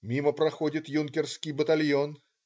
" Мимо проходит юнкерский батальон.